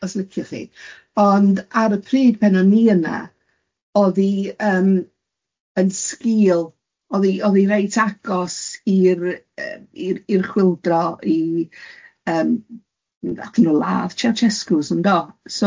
Os liciwch chi, ond ar y pryd pan o ni yna, oddi ymm yn sgiil, odd i reit agos i'r yy i'r chwildro i, nath nhw ladd Chaecescus yn do? Ie.